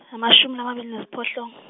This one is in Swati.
amashumi lamabili nesiphohlong.